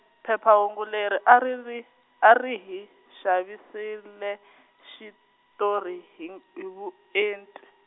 phephahungu leri a ri ri, a ri hi, xaviserile xitori hing- hi vuenti.